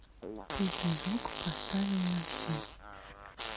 песня звук поставил на всю